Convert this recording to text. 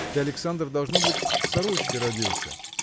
Ты, Александр, должно быть, в сорочке родился.